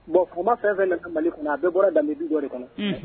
Bon kumama fɛn fɛn ku mali kunna a bɛ bɔra dabiɔr kɔnɔ